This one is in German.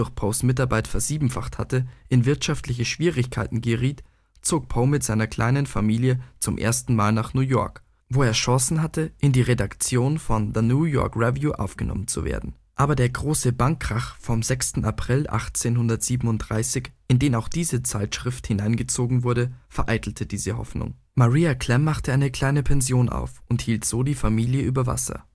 Poes Mitarbeit versiebenfacht hatte, in wirtschaftliche Schwierigkeiten geriet, zog Poe mit seiner kleinen Familie zum ersten Mal nach New York, wo er Chancen hatte, in die Redaktion von The New York Review aufgenommen zu werden. Aber der große Bankkrach vom 6. April 1837, in den auch diese Zeitschrift hineingezogen wurde, vereitelte diese Hoffnung. Maria Clemm machte eine kleine Pension auf und hielt so die Familie über Wasser